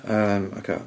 Yym, ocê.